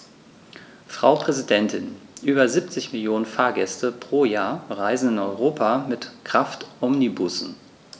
Frau Präsidentin, über 70 Millionen Fahrgäste pro Jahr reisen in Europa mit Kraftomnibussen.